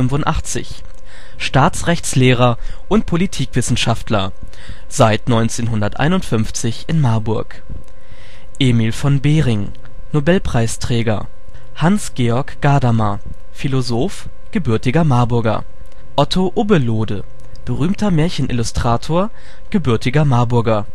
1985) Staatsrechtslehrer und Politikwissenschaftler, seit 1951 in Marburg Emil von Behring - Nobelpreisträger Hans-Georg Gadamer - Philosoph, gebürtiger Marburger Otto Ubbelohde - berühmter Märchen-Illustrator, gebürtiger Marburger